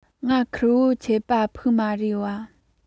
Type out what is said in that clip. ང ཁེར བོར ཆད པ ཕིག མ རེད པ